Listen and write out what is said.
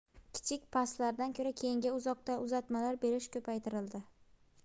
kichik paslardan ko'ra keynga uzoqdan uzatmalar berish ko'paytirildi